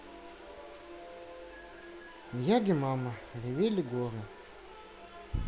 miyagi мама ревели горы